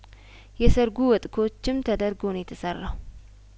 የሰርጉ ወጥ ኩችም ተደርጐ ነው የተሰራው